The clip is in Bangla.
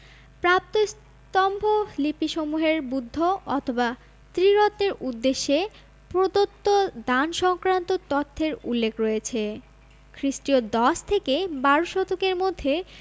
প্রাপ্ত স্তম্ভলিপিসমূহের বুদ্ধ অথবা ত্রিরত্নের উদ্দেশ্যে প্রদত্ত দান সংক্রান্ত তথ্যের উল্লেখ রয়েছে খ্রিস্টীয় দশ থেকে বারো শতকের মধ্যে